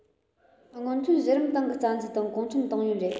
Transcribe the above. སྔོན ཐོན གཞི རིམ ཏང གི རྩ འཛུགས དང གུང ཁྲན ཏང ཡོན རེད